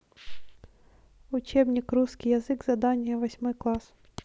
учебник русский язык задание восьмой класс